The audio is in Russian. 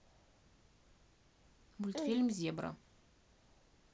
мультфильм зебра